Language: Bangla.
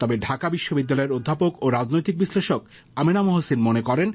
তবে ঢাকা বিশ্ববিদ্যালয়ের অধ্যাপক রাজনৈতিক বিশ্লেষক আমেনা মহসিন মনে করেন